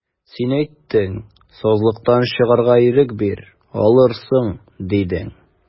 Син әйттең, сазлыктан чыгарга ирек бир, алырсың, дидең.